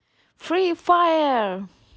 free fire